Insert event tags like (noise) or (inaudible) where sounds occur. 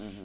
(hesitation) (hesitation)